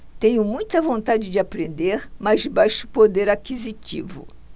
tenho muita vontade de aprender mas baixo poder aquisitivo